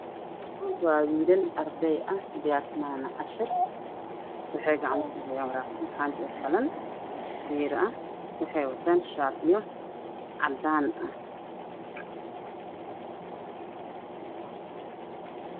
Waa wiilal arday ah oo diyaarsanayo cashir